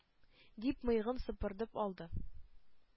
Дип, мыегын сыпырып алды.